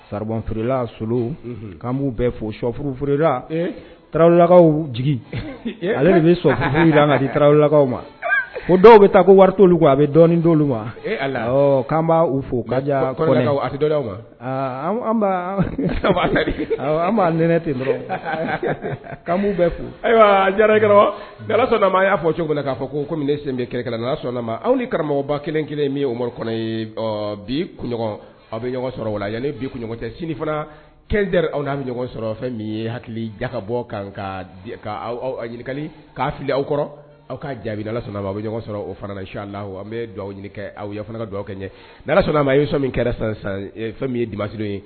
Saɔnf furulaolo'an b'u bɛɛ fo soɔfforola tarawelelakaw jigin ale de bɛf tarawele ma ko dɔw bɛ taa ko wari tolu a bɛ dɔnniɔni toolu ma k'an b' fo aw ma an'a nɛnɛ ten dɔrɔn bɛ fo ayiwa a y'a fɔ cogo k'a fɔ ko kɔmi sen bɛ kɛlɛkɛla sɔnna ma aw ni karamɔgɔba kelen kelen min ye o kɔnɔ ye bi kun aw bɛ ɲɔgɔn sɔrɔ yan bi cɛ sinifana kɛ aw'a bɛ ɲɔgɔn sɔrɔ fɛn min ye hakili ja ka bɔ kanka k'a fili aw kɔrɔ aw ka jaabida sɔrɔ bɛ ɲɔgɔn sɔrɔ o fana si la an bɛ dugawu aw ɲini kɛ aw fana ka dugawu kɛ sɔnna'a ma i ye sɔn min kɛra fɛn min ye dibasi dɔ ye